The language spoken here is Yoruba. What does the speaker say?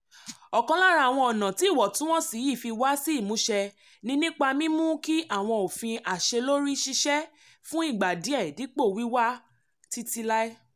Ọ̀kan lára àwọn ọ̀nà tí iwọntún-wọnsì yìí fi wá sí ìmúṣẹ ni nípa mímú kí àwọn òfin àṣẹ-lórí ṣiṣẹ́ fún ìgbà díẹ̀ dípò wíwà títí láé.